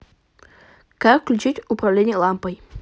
как включить управление лампой